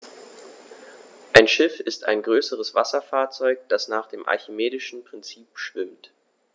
Ein Schiff ist ein größeres Wasserfahrzeug, das nach dem archimedischen Prinzip schwimmt.